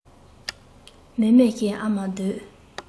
མཱེ མཱེ ཞེས ཨ མ དགོད